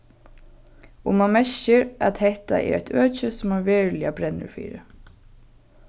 og mann merkir at hetta er eitt øki sum hann veruliga brennur fyri